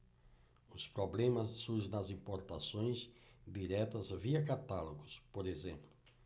os problemas surgem nas importações diretas via catálogos por exemplo